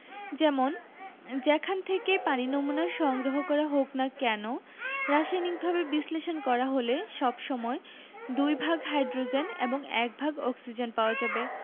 যেমন যেখান থেকেই পানির নমুনা সংগ্রহ করা হোক না কেন রাসায়নিকভাবে বিশ্লেষণ করা হলে সব সময় দুই ভাগ হাইড্রোজেন এবং এক ভাগ অক্সিজেন পাওয়া যাবে